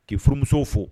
K'i furumusow fo